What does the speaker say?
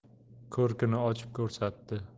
ko'rkini ochib ko'rsatdi